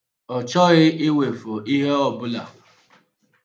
Ọ chọghị iwefọ ihe ọbụla.